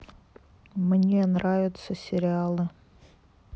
мне нравятся сериалы